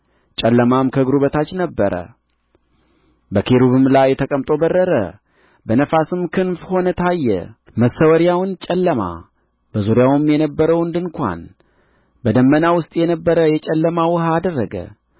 ጨለማም ከእግሩ በታች ነበረ በኪሩብም ላይ ተቀምጦ በረረ በነፋስም ክንፍ ሆኖ ታየ መሰወርያውን ጨለማ በዙሪያውም የነበረውን ድንኳን በደመና ውስጥ የነበረ የጨለማ ውኃ አደረገ